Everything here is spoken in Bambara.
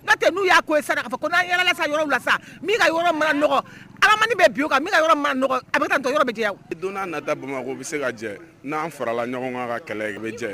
N'o tɛ n'u y'a fɔ sisanɔ k'a fɔ n'an yalala sisan yɔrɔw la sa, min ka yɔrɔ mana nɔgɔ alamandi amande bɛ bin o kan, min ka yɔrɔ ma nɔgɔ, o bɛ se k'a to yɔrɔw bɛ jɛya o. Don n'a nataw Bamakɔ bɛ se ka jɛ, n'an farala ɲɔgɔn kan ka kɛlɛ kɛ, a bɛ jɛ.